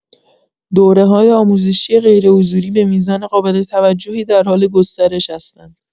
دوره‌های آموزشی غیرحضوری به میزان قابل توجهی در حال گسترش هستند.